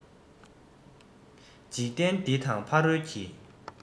འཇིག རྟེན འདི དང ཕ རོལ གྱི